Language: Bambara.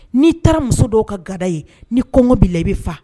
N'i taara muso dɔw ka guwada ye ni kɔngɔ b'i la i bɛ fa.